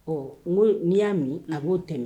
Ɔ n ko n'i y'a min a b'o tɛmɛ